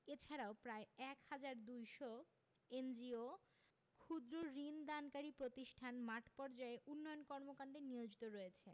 এছাড়াও প্রায় ১ হাজার ২০০ এনজিও ক্ষুদ্র্ ঋণ দানকারী প্রতিষ্ঠান মাঠপর্যায়ে উন্নয়ন কর্মকান্ডে নিয়োজিত রয়েছে